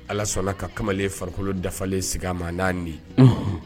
Ala sɔnna ka kamalen farikolo dafalen sigi ma' di